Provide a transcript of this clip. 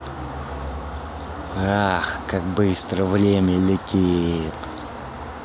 ах как быстро время летит